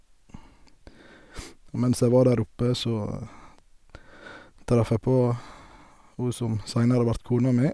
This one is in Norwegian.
Og mens jeg var der oppe, så traff jeg på hun som seinere vart kona mi.